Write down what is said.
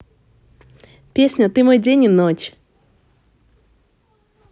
песня ты мой день и ночь